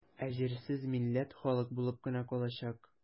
Ә җирсез милләт халык булып кына калачак.